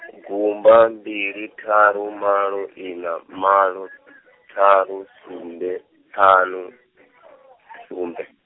gumba mbili ṱharu malo ina malo, ṱharu, sumbe, ṱhanu, sumbe.